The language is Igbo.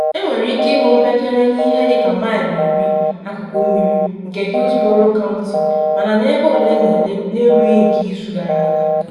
Enwere ike ịhụ mpekere n’ihe dị ka maịlụ 10 akụkụ mmiri nke Hillsborough County, mana n’ebe ole ma ole na erughi nke izu gara aga.